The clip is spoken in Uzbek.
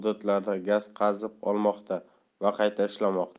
hududlarda gaz qazib olmoqda va qayta ishlamoqda